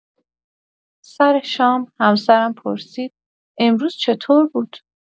سر شام، همسرم پرسید: امروز چطور بود؟